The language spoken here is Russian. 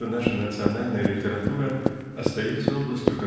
что наша национальная литература остается областью